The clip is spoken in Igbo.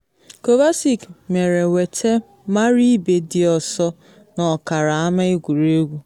Kovacic mere wete mara ibe dị ọsọ n’ọkara ama egwuregwu.